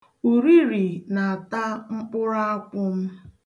Uriri na-ata mkpụrụ akwụ m.